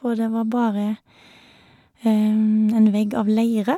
Og det var bare en vegg av leire.